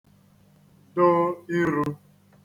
do īrū